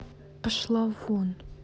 пошла вон